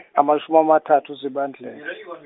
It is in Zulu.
amashum' amathathu uZibandlela.